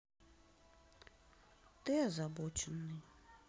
ты озабоченный